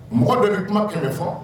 Mɔgɔ dɔ bɛ kuma kɛ fɔ